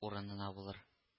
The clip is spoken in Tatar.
Урынына булыр